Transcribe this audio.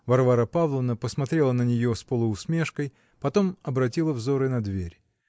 Варвара Павловна посмотрела на нее с полуусмешкой, потом обратила взоры на дверь.